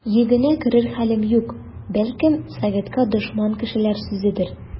Йөгенә керер хәлем юк, бәлкем, советка дошман кешеләр сүзедер.